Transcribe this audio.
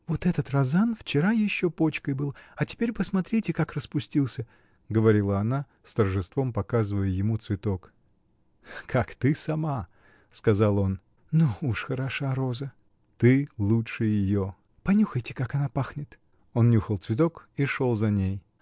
— Вот этот розан вчера еще почкой был, а теперь посмотрите, как распустился, — говорила она, с торжеством показывая ему цветок. — Как ты сама! — сказал он. — Ну уж, хороша роза! — Ты лучше ее! — Понюхайте, как она пахнет! Он нюхал цветок и шел за ней.